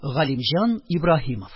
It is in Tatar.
Галимҗан Ибраһимов